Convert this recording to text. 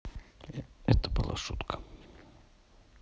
это была шутка